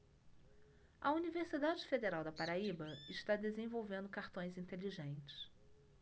a universidade federal da paraíba está desenvolvendo cartões inteligentes